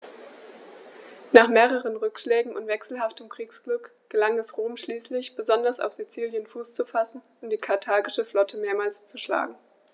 Nach mehreren Rückschlägen und wechselhaftem Kriegsglück gelang es Rom schließlich, besonders auf Sizilien Fuß zu fassen und die karthagische Flotte mehrmals zu schlagen.